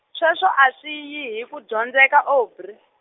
sweswo a swi yi hi ku dyondzeka Audrey.